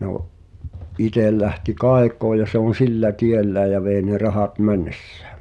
no itse lähti kaikoon ja se on sillä tiellään ja vei ne rahat mennessään